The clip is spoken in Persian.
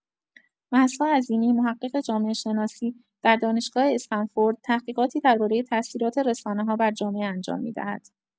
مهسا عظیمی، محقق جامعه‌شناسی، در دانشگاه استنفورد تحقیقاتی دربارۀ تاثیرات رسانه‌ها بر جامعه انجام می‌دهد.